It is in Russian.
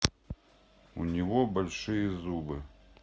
у него большие зубы